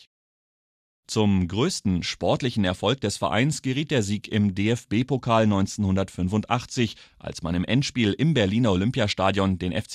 Zum größten sportlichen Erfolg des Vereins geriet der Sieg im DFB-Pokal 1985, als man im Endspiel im Berliner Olympiastadion den FC